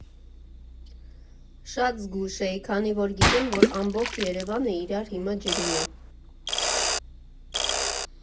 Շատ զգույշ էի, քանի որ գիտեմ, որ ամբողջ Երևանը իրար հիմա ջրում ա։